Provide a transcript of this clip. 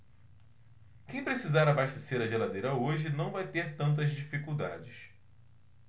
quem precisar abastecer a geladeira hoje não vai ter tantas dificuldades